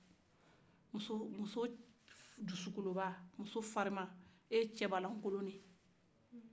muso dusukoloba farima e ye cɛba lan kolon de ye